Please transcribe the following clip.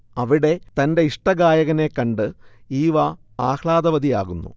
അവിടെ തന്റെ ഇഷ്ടഗായകനെ കണ്ട് ഈവ ആഹ്ലാദവതിയാകുന്നു